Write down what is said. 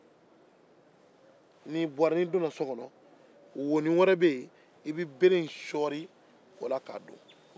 n'i donna so kɔnɔ wonin wɛrɛ bɛ yen i bɛ bere sɔɔri o la ka don